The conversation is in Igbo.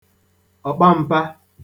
ọ̀kpam̄pā